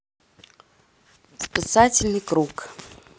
спасательный круг